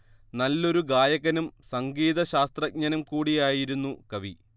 നല്ലൊരു ഗായകനും സംഗീതശാസ്ത്രജ്ഞനും കൂടിയായിരുന്നു കവി